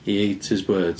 He ate his words.